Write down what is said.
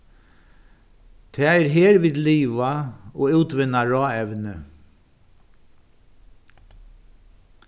tað er her vit liva og útvinna ráevni